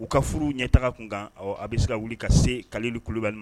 U ka furu ɲɛ taga kun kan a bɛ se ka wuli ka se kali kulubali